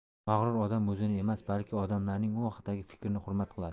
mag'rur odam o'zini emas balki odamlarning u haqdagi fikrini hurmat qiladi